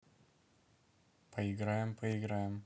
поиграем поиграем